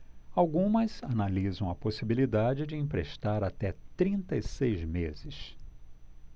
algumas analisam a possibilidade de emprestar até trinta e seis meses